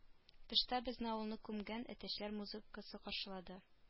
Тышта безне авылны күмгән әтәчләр музыкасы каршылады